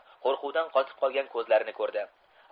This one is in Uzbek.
qo'rquvdan qotib qolgan ko'zlarini ko'rdi